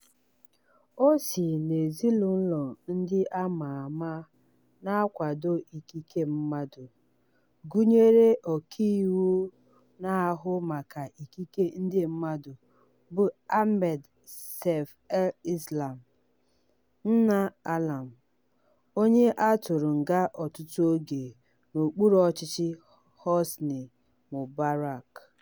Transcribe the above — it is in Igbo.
O si n'ezinụlọ ndị a ma ama na-akwado ikike mmadụ, gụnyere ọkaiwu na-ahụ maka ikike ndị mmadụ bụ Ahmed Seif El Islam, nna Alaa, onye a tụrụ nga ọtụtụ oge n'okpuru ọchịchị Hosni Mubarak.